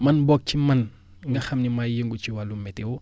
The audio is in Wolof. man boog ci man nga xam ni maay yëngu ci wàllu météo